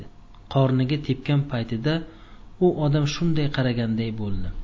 qorniga tepgan paytida u odam shunday qaraganday bo'ldi